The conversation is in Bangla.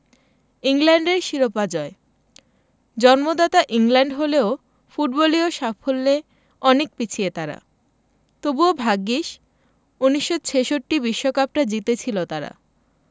ইংল্যান্ডের শিরোপা জয় জন্মদাতা ইংল্যান্ড হলেও ফুটবলীয় সাফল্যে অনেক পিছিয়ে তারা তবু ভাগ্যিস ১৯৬৬ বিশ্বকাপটা জিতেছিল তারা